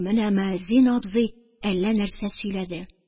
Менә мөәззин абзый әллә нәрсә сөйләде.